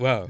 waaw